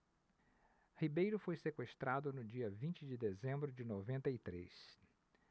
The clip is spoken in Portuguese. ribeiro foi sequestrado no dia vinte de dezembro de noventa e três